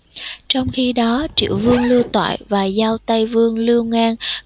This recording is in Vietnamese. trong khi đó triệu vương lưu toại và giao tây vương lưu ngang